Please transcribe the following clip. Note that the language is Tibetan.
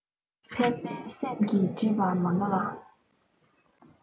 ཕན པའི སེམས ཀྱིས བྲིས པ མངྒ ལ